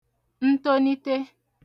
ntonite